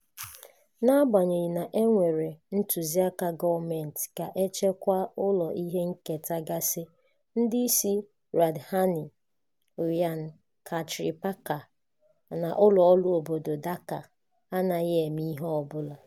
Na-agbanyeghị na e nwere ntụziaka gọọmentị ka e chekwaa ụlọ ihe nketa gasị, ndị isi Rajdhani Unnayan Kartripakkha na Ụlọọrụ Obodo Dhaka anaghị eme ihe ọ bụla.